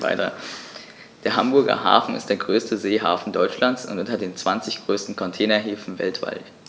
Der Hamburger Hafen ist der größte Seehafen Deutschlands und unter den zwanzig größten Containerhäfen weltweit.